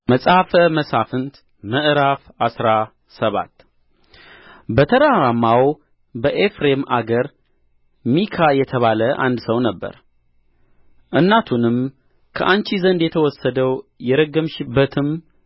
መጽሐፈ መሣፍንት ምዕራፍ አስራ ሰባት በተራራማውም በኤፍሬም አገር ሚካ የተባለ አንድ ሰው ነበረ እናቱንም ከአንቺ ዘንድ የተወሰደው የረገምሽበትም